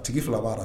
Tigi 2 bara.